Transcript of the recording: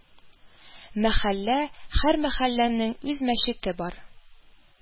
Мәхәллә, һәр мәхәлләнең үз мәчете бар иде